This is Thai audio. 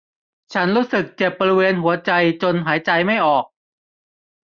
ฉันรู้สึกเจ็บบริเวณหัวใจจนหายใจไม่ออก